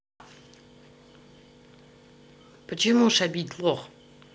почему шабить лох